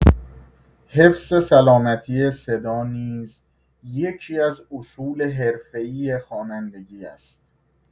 حفظ سلامتی صدا نیز یکی‌از اصول حرفه‌ای خوانندگی است.